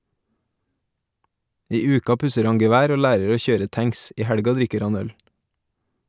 I uka pusser han gevær og lærer å kjøre tanks, i helga drikker han øl.